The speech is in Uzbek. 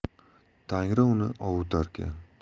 tangri uni ovutarkan